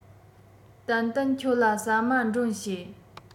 ཏན ཏན ཁྱོད ལ ཟ མ མགྲོན བྱེད